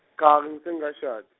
cha ngisengakashadi.